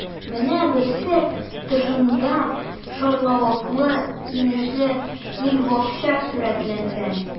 Менә берсе: тышында шарлавыклы-инешле гөлбакча сурәтләнгән.